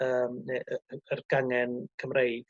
yym ne y.. y...yr gangen Cymreig